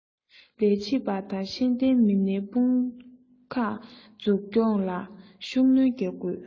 ལས བྱེད པ དང ཤེས ལྡན མི སྣའི དཔུང ཁག འཛུགས སྐྱོང ལ ཤུགས སྣོན བརྒྱབ ཡོད